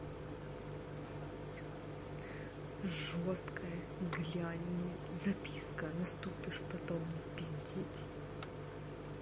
жесткое глянь ну записка наступишь потом мне пиздеть